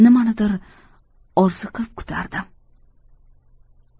nimanidir orziqib kutardim